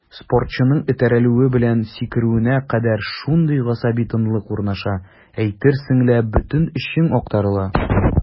Спортчының этәрелүе белән сикерүенә кадәр шундый гасаби тынлык урнаша, әйтерсең лә бөтен эчең актарыла.